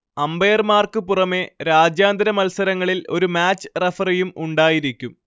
അമ്പയർമാർക്കു പുറമേ രാജ്യാന്തര മത്സരങ്ങളിൽ ഒരു മാച്ച് റഫറിയും ഉണ്ടായിരിക്കും